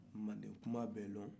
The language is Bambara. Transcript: mandenkuma bɛ dɔn